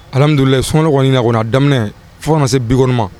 Amidulila soɔgɔ kɔni nana daminɛ fo kana se bikma